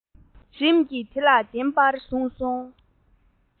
རིམ གྱིས དེ ལ བདེན པར བཟུང སོང